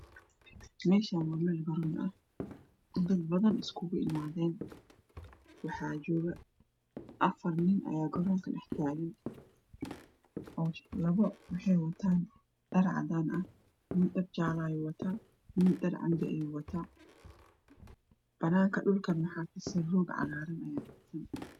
Meshanu waa mel garon ah oo dad badan iskugu imadeen waxaa joogan afar nin mid wuxuu wata dhar jala midna cad ayoo wata dhulkana waxaa yala rog cagaran